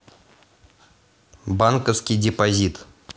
банковский депозит